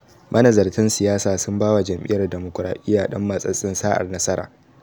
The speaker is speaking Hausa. Manazartan siyasa sun ba wa jam’iyar Ɗamokraɗiya ɗan matsatsen sa’ar nasara.